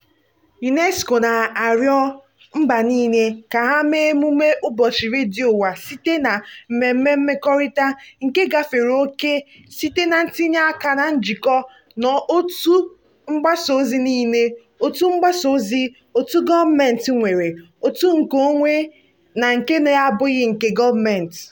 UNESCO na-arịọ mba niile ka ha mee emume Ụbọchị Redio Ụwa site na mmemme mmekorita nke gafere ókè site na itinye aka na njikọ na òtù mgbasa ozi niile, òtù mgbasa ozi, òtù gọọmentị nwere, òtù nkeonwe na nke na-abụghị nke gọọmentị.